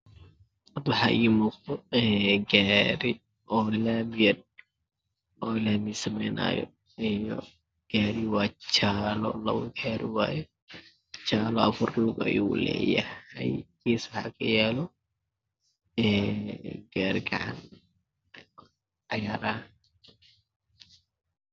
Wax Ii muuqdo gaari oo lamaiga sameynayo iyo gariga waa jaalo labo gaari wye jaale afar lug ayu leyahay gees wax ka yaalo gaari gacan